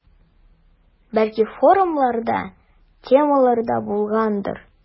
Бәлки формалар да, темалар да булгандыр.